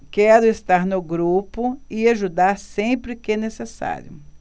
quero estar no grupo e ajudar sempre que necessário